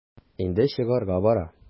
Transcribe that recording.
Инде чыгарга бара.